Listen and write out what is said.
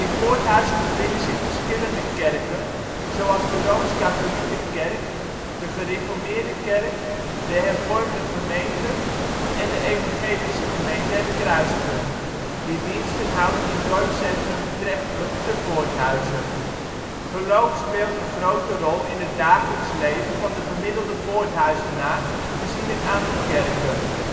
Voorthuizen bevinden zich verschillende kerken, zoals de Rooms-katholieke Kerk, Gereformeerde Kerk, de Hervormde Gemeente Voorthuizen en de evangelische gemeente Het Kruispunt, die diensten houdt in dorpscentrum ' t Trefpunt te Voorthuizen. Geloof speelt nog altijd een grote rol in het dagelijks leven van de gemiddelde Voorthuizenaar, gezien het aantal kerken